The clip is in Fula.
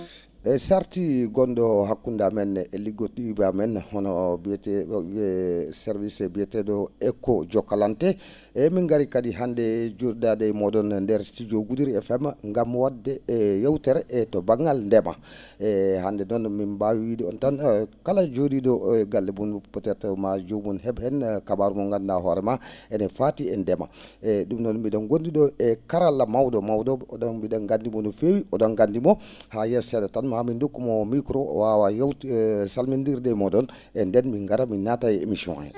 sarti gon?o hakkunde amen e liggodiijo amen hono mbiyetee?o service mbiyetee?o EKO jokkalante eeyi min ngari kadi hannde joo?odaade e moo?on e ndeer studio goudiri FM ngam wa?de yeewtere to ba?ngal dema e hannde noon emin mbaawi wiide on tan kala joo?ii?o galle mu?um peut étre maa joomum he? heen kabaaru mo nganndu?aa hoore maa ene faati e ndema Eey ?um noon mi?en gonndi ?oo e karalla maw?o maw?o on mbi?en ganndi mo no feewi o?on ganndi mo haa yeeso see?a tan maa min ndokkumo micro o waawa yewti e salmonndirde e moo?on e nden min ngara min naata e emission hee